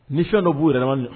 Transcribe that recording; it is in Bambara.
Ni fiɲɛ dɔ b'u yɛrɛ lamɛn